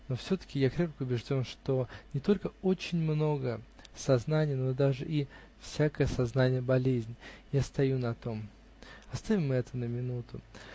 Но все-таки я крепко убежден, что не только очень много сознания, но даже и всякое сознание болезнь. Я стою на том. Оставим и это на минуту.